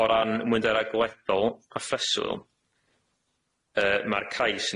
O ran ymwnderau gwledol a phreswyl yy ma'r cais